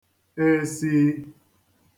èsi